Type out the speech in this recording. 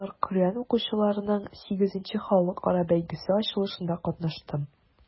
Алар Коръән укучыларның VIII халыкара бәйгесе ачылышында катнашты.